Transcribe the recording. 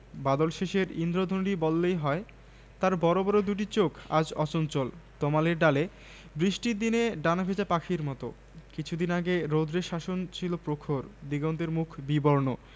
প্রায় পঁয়তাল্লিশ বছর আগে আলীজান ব্যাপারী পূরোনো মসজিদটাকে নতুন করে তুলেছিলেন ঢের টাকাকড়ি খরচ করে জাপানি আর বিলেতী নকশা করা চীনেমাটির টালি আনিয়েছিলেন